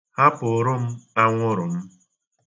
Hapụrụ m anwụrụ m.